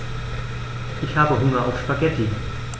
Ich habe Hunger auf Spaghetti.